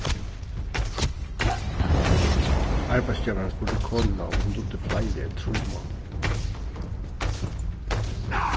arbeiðsgevarin spurdi konuna um hon dugdi fleiri enn trý mál